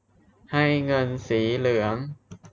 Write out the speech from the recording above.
ให้เงินสีเหลือง